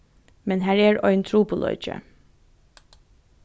men har ein ein trupulleiki